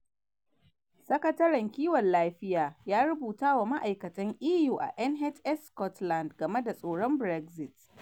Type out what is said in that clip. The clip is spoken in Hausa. Sakataren kiwon lafiya ya rubuta wa ma'aikatan EU a NHS Scotland game da tsoron Brexit